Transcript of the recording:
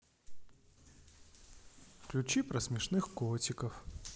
включи про смешных котиков